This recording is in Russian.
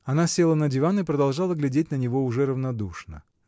Она села на диван и продолжала глядеть на него уже равнодушно.